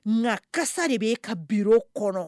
Nkakasa de bɛe ka bi kɔnɔ